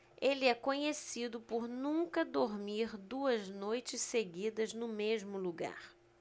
ele é conhecido por nunca dormir duas noites seguidas no mesmo lugar